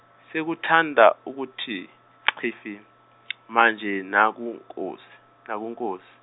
sekuthanda ukuthi xhifi manje nakuNkosi nakuNkosi.